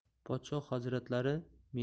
podshoh hazratlari meni